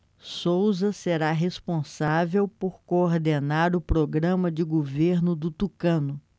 souza será responsável por coordenar o programa de governo do tucano